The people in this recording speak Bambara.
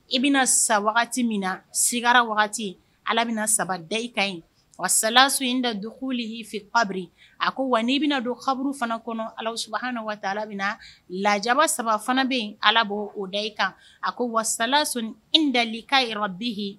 I bɛna sa wagati min na sigara wagati ala bɛna na saba da i ka ɲi wa salaso in da don hli y'i fɛ pabiri a ko wa n'i bɛna don kaburu fana kɔnɔ alasu na waati bɛ lajaba saba fana bɛ yen ala bɔ o da i kan a ko wa sala in dali ka yɛrɛ bi yen